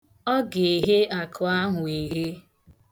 Ọ ga-eghe akụ ahụ eghe.